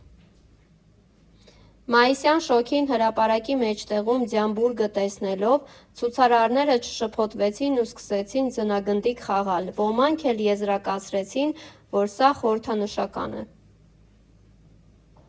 Մայիսյան շոգին հրապարակի մեջտեղում ձյան բուրգը տեսնելով ցուցարարները չշփոթվեցին ու սկսեցին ձնագնդիկ խաղալ, ոմանք էլ եզրակացրեցին, որ սա խորհրդանշական է.